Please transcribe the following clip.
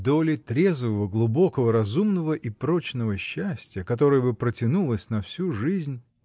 — Доли трезвого, глубокого, разумного и прочного счастья, которое бы протянулось на всю жизнь.